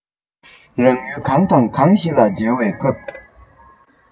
རང ཡུལ གང དང གང ཞིག ལ འཇལ བའི སྐབས